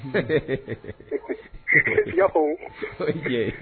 Ɛɛ' ye